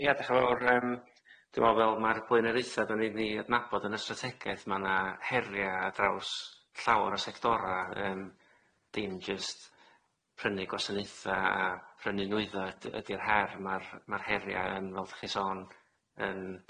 Yy ie dechre o'r yym dwi me'wl fel ma'r planereitha' do'n i'n myn' i adnabod yn y strategaeth ma' na heria ar draws llawer o sectora yym dim jyst prynu gwasanaetha a prynu nwydda dy- ydi'r her ma'r ma'r heria yn fel dach chi sôn yn